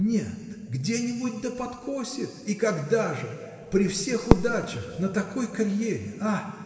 нет, где-нибудь да подкосит, и когда же? при всех удачах, на такой карьере. А!